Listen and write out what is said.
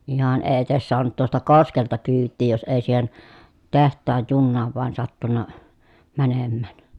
ihan ei edes saanut tuosta koskelta kyytiä jos ei siihen tehtaan junaan vain sattunut menemään